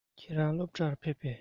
ཁྱེད རང སློབ གྲྭར ཕེབས པས